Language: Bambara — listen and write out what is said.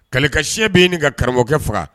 Kalilika siyɛn bɛ ɲini ka karamɔgɔkɛ faga